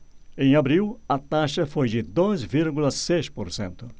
em abril a taxa foi de dois vírgula seis por cento